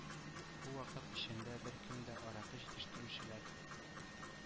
Бу вакыт эчендә беркем дә аракы җитештерүчеләр,